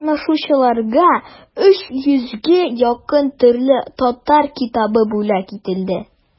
Катнашучыларга өч йөзгә якын төрле татар китабы бүләк ителде.